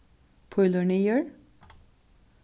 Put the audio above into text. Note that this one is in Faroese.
pílur niður